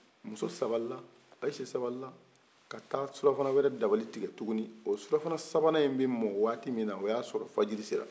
muso sabalila ayise sabalila ka taa surafana wɛrɛ dabalitigɛ tuguni o surafana sabanan in be mɔn waati min na o y'a sɔrɔ fajiri sera